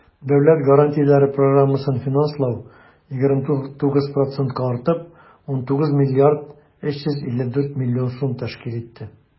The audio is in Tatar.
Дәүләт гарантияләре программасын финанслау 29 процентка артып, 19 млрд 354 млн сум тәшкил итте.